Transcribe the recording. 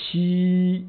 Un